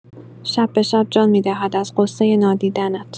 شب به شب جان می‌دهد از غصۀ نادیدنت